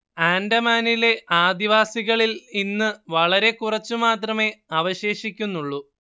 ആൻഡമാനിലെ ആദിവാസികളിൽ ഇന്ന് വളരെക്കുറച്ചുമാത്രമേ അവശേഷിക്കുന്നുള്ളൂ